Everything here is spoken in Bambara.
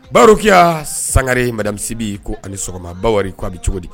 Bawrokiya sanga maradamisibi ko ani sɔgɔma bawri ko a bɛ cogo di